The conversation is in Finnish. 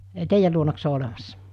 teidän luonako se on olemassa